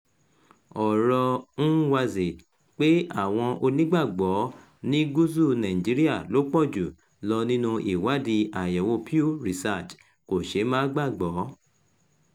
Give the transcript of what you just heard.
Ọ̀rọ̀ọ Nwanze pé àwọn Onígbàgbọ́ ní gúúsù Nàìjíríà ló pọ̀ jù lọ nínú ìwádìí àyẹ̀wò Pew Research kò ṣe é má gbàgbọ́.